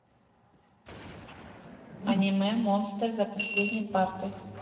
анимэ монстр за последней партой